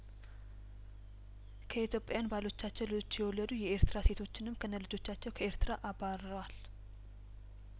ከኢትዮጵያን ባሎቻቸው ልጆች የወለዱ የኤርትራ ሴቶችንም ከነ ልጆቻቸው ከኤርትራ አባርረዋል